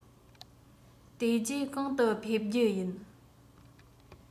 དེ རྗེས གང དུ ཕེབས རྒྱུ ཡིན